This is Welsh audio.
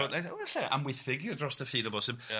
...ond ella Amwythig dros y ffin o bosib'... Ia